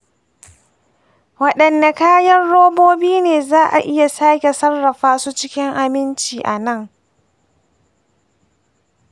wadanne kayan robobi ne za a iya sake sarrafa su cikin aminci a nan?